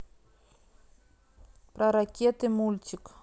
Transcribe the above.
про ракеты мультик